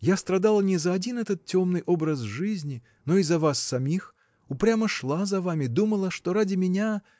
Я страдала не за один этот темный образ жизни, но и за вас самих, упрямо шла за вами, думала, что ради меня.